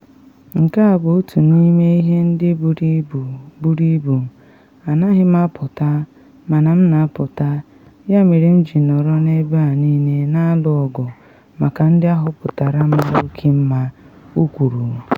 Nke a bụ otu n’ime ihe ndị buru ibu, buru ibu -- anaghị m apụta mana m na apụta ya mere m ji nọrọ n’ebe niile na alụ ọgụ maka ndị ahọpụtara mara oke mma, “o kwuru.